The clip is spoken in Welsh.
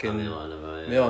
a mae o ynddo fo ia